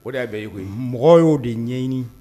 O de bɛ e koyi mɔgɔ y ye o de ɲɛɲini